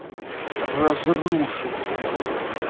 разрушить